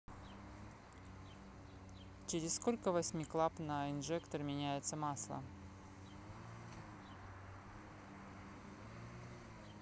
через сколько восьми клаб на инжектор меняется масло